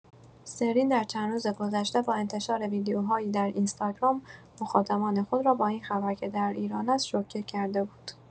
سرین در چند روز گذشته با انتشار ویدیوهایی در اینستاگرام مخاطبان خود را با این خبر که در ایران است شوکه کرده بود.